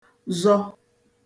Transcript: zọ